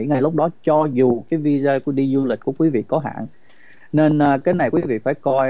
ngay lúc đó cho dù khi di dời đi du lịch của quý vị có hạn nên cái này quý vị phải coi